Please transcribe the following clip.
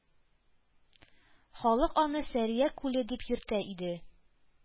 Халык аны Сәрия күле дип йөртә иде.